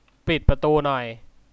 ปิดประตูหน่อย